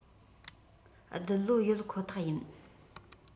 རྡུལ གློ ཡོད ཁོ ཐག ཡིན